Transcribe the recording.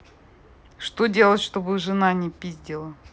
что сделать чтобы жена не пиздила